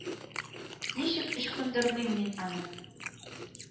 Ничек ычкындырдым мин аны,